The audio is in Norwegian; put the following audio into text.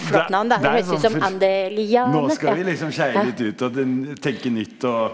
det er det er liksom nå skal vi liksom skeie litt ut og tenke nytt og.